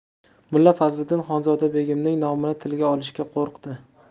mulla fazliddin xonzoda begimning nomini tilga olishga qo'rqdi